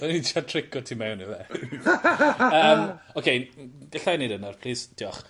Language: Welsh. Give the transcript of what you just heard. ...o'n i'n trial trico ti mewn i fe. Yym oce n- galla i neud e nawr plîs. Diolch.